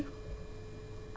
ñu ngi lay nuyu di la ziyaare